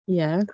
Ie.